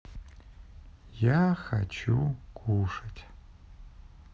я хочу кушать